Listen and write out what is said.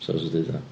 So wythnos dwytha.